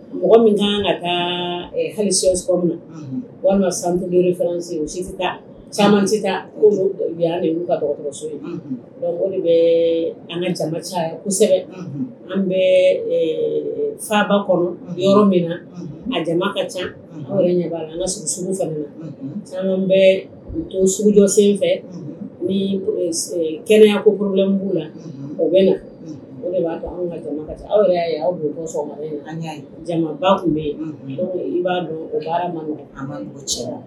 Mɔgɔ min kan kan ka taa haliyɛn min na walima san fana si caman' kaso ye o de bɛ an ka ca ca ye kosɛbɛ an bɛ faba kɔnɔ yɔrɔ min na a jama ka ca an ka sugu fana na caman bɛ sugu jɔ sen fɛ ni kɛnɛyaya kolen b'u la o bɛ na o de b'a anw ka jama aw y'a awa jamaba tun bɛ yen i b'a dɔn o baara man an ka cɛ